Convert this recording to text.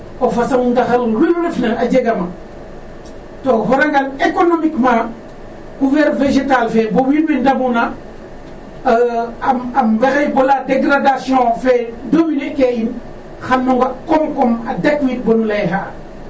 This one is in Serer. o façon ndaxar nu refna a jega maga .To o xorangan économiquement couvert végétale fe bo wiiin we njanguuna a mbexey bo la dégradation fe dominer kee in xan o ga' koom-koom ak technique bo nu layaa xa'aa .